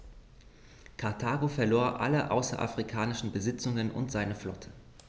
Karthago verlor alle außerafrikanischen Besitzungen und seine Flotte.